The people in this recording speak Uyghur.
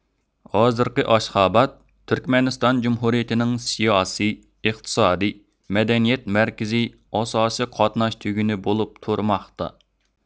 ھازىرقى ئاشخاباد تۈركمەنىستان جۇمھۇرىيىتىنىڭ سىياسىي ئىقتسادىي مەدەنىيەت مەركىزى ئاساسىي قاتناش تۈگۈنى بولۇپ تۇرماقتا